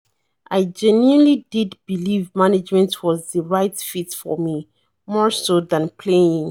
"I genuinely did believe management was the right fit for me, more so than playing.